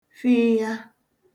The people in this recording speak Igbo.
fịịya